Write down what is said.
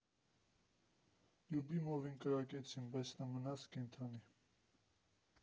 Լյուբիմովին կրակեցին, բայց նա մնաց կենդանի։